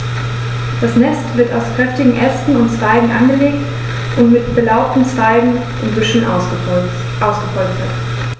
Das Nest wird aus kräftigen Ästen und Zweigen angelegt und mit belaubten Zweigen und Büscheln ausgepolstert.